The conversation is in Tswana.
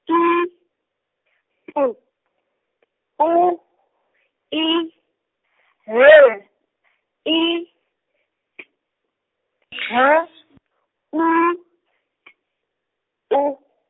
I P O E L E T L O T O.